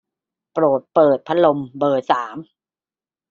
โปรดเปิดพัดลมเบอร์สาม